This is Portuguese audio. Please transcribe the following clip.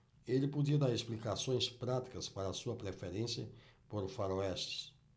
ele podia dar explicações práticas para sua preferência por faroestes